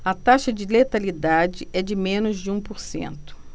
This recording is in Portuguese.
a taxa de letalidade é de menos de um por cento